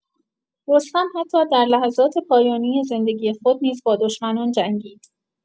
رستم حتی در لحظات پایانی زندگی خود نیز با دشمنان جنگید.